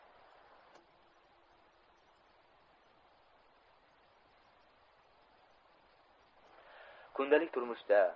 kundalik turmushda